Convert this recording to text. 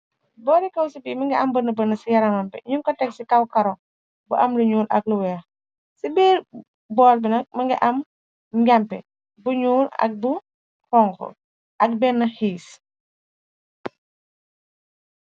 Bowli kawsi bi më nga am bënna bënna ci yaramambe ñun ko teg ci kaw karo bu am lu ñuul ak luweex ci biir boolbina më nga am njampe bu ñuul ak bu xonxo ak benna heas.